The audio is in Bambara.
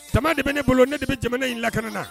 Jama de bɛ ne bolo ne de bɛ jamana in lakana na